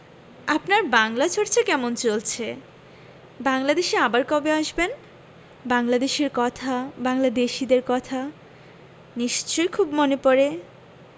আপনার বাংলা চর্চা কেমন চলছে বাংলাদেশে আবার কবে আসবেন বাংলাদেশের কথা বাংলাদেশীদের কথা নিশ্চয় খুব মনে পরে